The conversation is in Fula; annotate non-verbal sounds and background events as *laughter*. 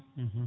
*hesitation* *hesitation*